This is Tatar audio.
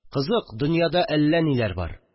Кызык, дөньяда әллә ниләр бар